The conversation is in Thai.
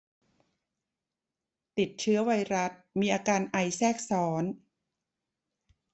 ติดเชื้อไวรัสมีอาการไอแทรกซ้อน